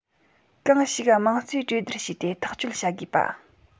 གང ཞིག དམངས གཙོས གྲོས བསྡུར བྱས ཏེ ཐག གཅོད བྱ དགོས པ